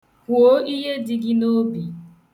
Kwuo ihe dị gị n' obi.